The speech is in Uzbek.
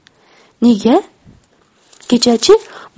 nega kecha chi